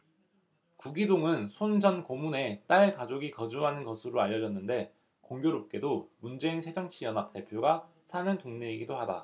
구기동은 손 전 고문의 딸 가족이 거주하는 것으로 알려졌는데 공교롭게도 문재인 새정치연합 대표가 사는 동네이기도 하다